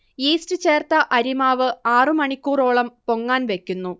yeast ചേർത്ത അരിമാവ് ആറു മണിക്കൂറോളം പൊങ്ങാൻ വെക്കുന്നു